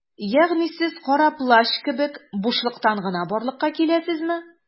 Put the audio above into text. Ягъни сез Кара Плащ кебек - бушлыктан гына барлыкка киләсезме?